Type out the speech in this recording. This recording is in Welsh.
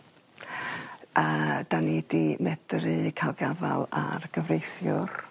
A 'dan ni 'di medru ca'l galfal ar gyfreithiwr